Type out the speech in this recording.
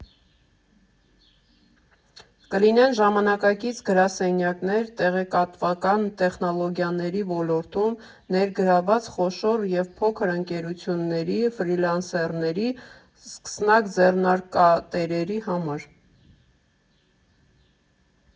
Կլինեն ժամանակակից գրասենյակներ՝ տեղեկատվական տեխնոլոգիաների ոլորտում ներգրավված խոշոր և փոքր ընկերությունների, ֆրիլանսերների, սկսնակ ձեռնարկատերերի համար։